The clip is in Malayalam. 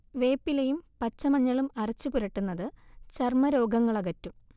വേപ്പിലയും പച്ചമഞ്ഞളും അരച്ചു പുരട്ടുന്നത് ചർമ രോഗങ്ങളകറ്റും